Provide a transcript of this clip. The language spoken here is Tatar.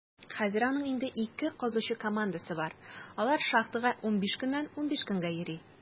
Хәзер аның инде ике казучы командасы бар; алар шахтага 15 көннән 15 көнгә йөри.